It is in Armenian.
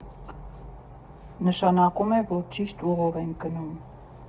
Նշանակում է, որ ճիշտ ուղով ենք գնում։